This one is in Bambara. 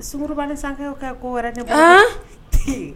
Sunkurubanin sake ko wɛrɛ tɛ koyi. Haa